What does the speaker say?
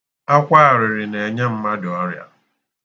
Akwa arịrị na-enye mmadụ ọrịa.